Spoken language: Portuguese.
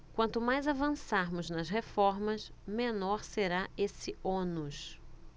quanto mais avançarmos nas reformas menor será esse ônus